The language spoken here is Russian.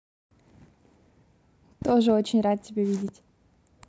тоже очень рад тебя видеть